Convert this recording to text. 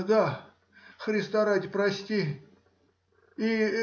— Да; Христа ради прости и.